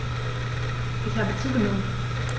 Ich habe zugenommen.